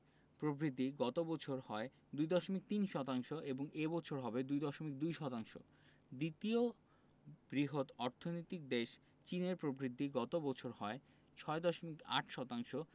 প্রবৃদ্ধি গত বছর হয় ২.৩ শতাংশ এবং এ বছর হবে ২.২ শতাংশ দ্বিতীয় বৃহৎ অর্থনৈতিক দেশ চীনের প্রবৃদ্ধি গত বছর হয় ৬.৮ শতাংশ